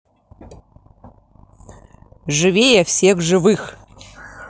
живее всех живых